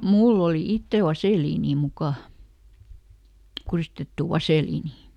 minulla oli itsellä vaseliinia mukana kuristettu vaseliinia